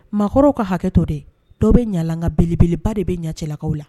Maakɔrɔw ka hakɛ to dɛ! Dɔ bɛ Ɲa la, nka belebeleba de bɛ Ɲa cɛlakaw la.